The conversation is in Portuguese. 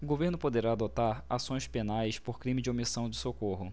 o governo poderá adotar ações penais por crime de omissão de socorro